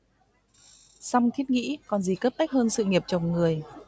song thiết nghĩ còn gì cấp bách hơn sự nghiệp trồng người